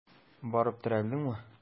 Барып терәлдеңме?